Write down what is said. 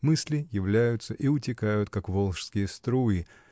мысли являются и утекают, как волжские струи